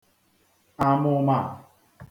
àmụ̀mà